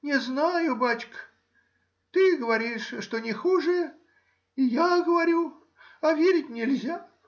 — Не знаю, бачка,— ты говоришь, что не хуже, и я говорю; а верить нельзя.